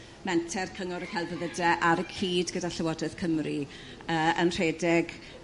menter cyngor y celfyddyde ar y cyd gyda llywodraeth Cymru yrr yn rhedeg